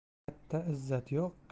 kattada izzat yo'q